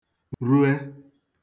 rue